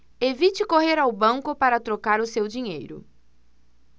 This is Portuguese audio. evite correr ao banco para trocar o seu dinheiro